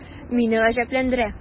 Мине гаҗәпләндерә: